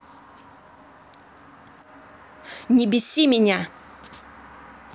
не беси меня